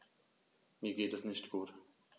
Mir geht es nicht gut.